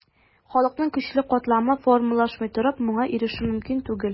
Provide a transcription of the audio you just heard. Халыкның көчле катламы формалашмыйча торып, моңа ирешү мөмкин түгел.